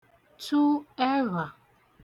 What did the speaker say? tu ẹvhà